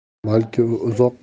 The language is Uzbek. balki u uzoq